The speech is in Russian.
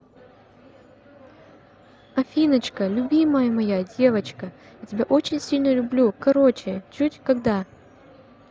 афиночка любимая моя девочка я тебя очень сильно люблю короче чуть когда